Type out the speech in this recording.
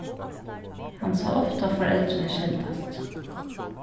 hann sá ofta foreldrini skeldast